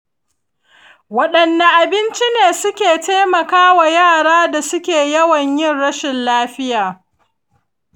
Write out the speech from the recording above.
wadanne abinci ne suke taimaka wa yara da suke yawan yin rashin lafiya?